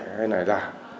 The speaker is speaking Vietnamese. hay là giả